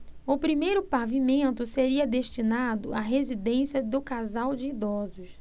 o primeiro pavimento seria destinado à residência do casal de idosos